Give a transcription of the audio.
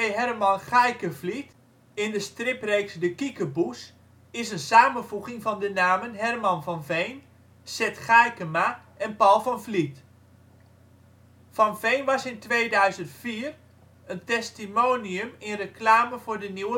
Herman Gaaikevliet in de stripreeks De Kiekeboes is een samenvoeging van de namen Herman van Veen, Seth Gaaikema en Paul van Vliet; Van Veen was in 2004 een testimonium in reclame voor de Nieuwe